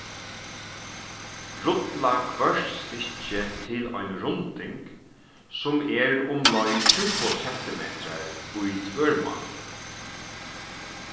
rulla hvørt stykki til ein runding sum er umleið tjúgu sentimetrar í tvørmáti